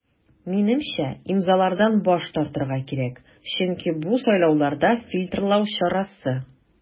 Минемчә, имзалардан баш тартырга кирәк, чөнки бу сайлауларда фильтрлау чарасы.